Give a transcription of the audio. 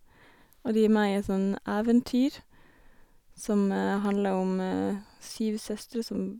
Og de er med i et sånn eventyr som handler om syv søstre som...